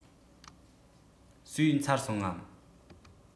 ཟོས ཚར སོང ངམ